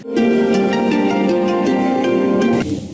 music